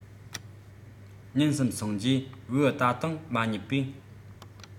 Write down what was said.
ཉིན གསུམ སོང རྗེས བེའུ ད དུང མ རྙེད པས